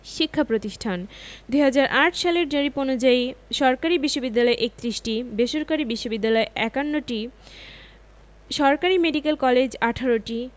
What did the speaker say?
শিক্ষাপ্রতিষ্ঠানঃ ২০০৮ সালের জরিপ অনুযায়ী সরকারি বিশ্ববিদ্যালয় ৩১টি বেসরকারি বিশ্ববিদ্যালয় ৫১টি সরকারি মেডিকেল কলেজ ১৮টি